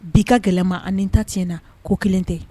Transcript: Bi ka gɛlɛnma ani ta tiɲɛna ko kelen tɛ